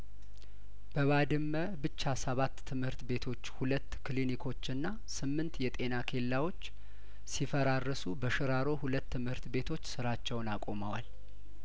በባድመ ብቻ ሰባት ትምህርት ቤቶች ሁለት ክሊኒኮችና ስምንት የጤና ኬላዎች ሲፈራርሱ በሽራሮ ሁለት ትምህርት ቤቶች ስራቸውን አቁመዋል